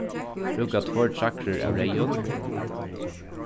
brúka tveir træðrir av reyðum